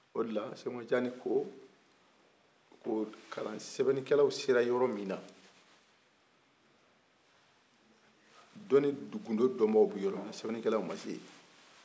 o de la sɛkumaru tijani ko sɛbɛnni kɛlaw sera yɔrɔ min na dɔni gundo dɔnbaw bi yɔrɔ mi na sɛbɛnni kɛlaw ma se yen